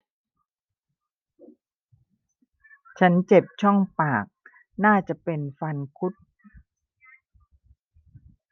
ฉันเจ็บช่องปากน่าจะเป็นฟันคุด